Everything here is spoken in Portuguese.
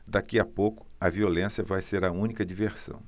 daqui a pouco a violência vai ser a única diversão